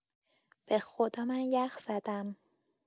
بخدا من یخ زدم